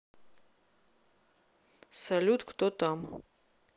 салют кто там